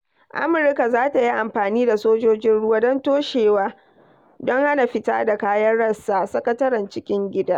Amurka za ta yi amfani da sojojin ruwa don "toshewa" don hana fita da kayan Rasa - Sakataren Cikin Gida